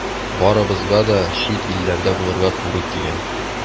Барыбызга да чит илләрдә булырга туры килә.